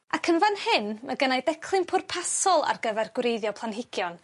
Ac yn fan hyn ma' gynnai declyn pwrpasol ar gyfer gwreiddio planhigion